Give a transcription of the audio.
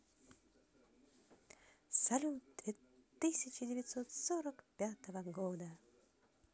салют тысяча девятьсот сорок пятого года